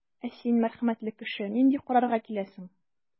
Ә син, мәрхәмәтле кеше, нинди карарга киләсең?